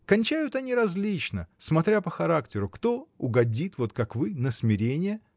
Кончают они различно, смотря по характеру: кто угодит, вот как вы, на смирение.